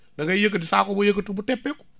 da ngay yëkkati saako boo yëkkati mu teppeeku